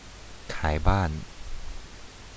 ขายบ้าน